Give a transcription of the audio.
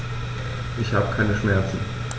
Ich habe keine Schmerzen.